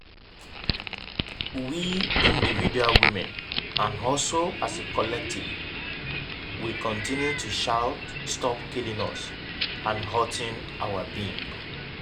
We, individual women, and also as a collective, will continue to shout "stop killing us" and "hurting our being".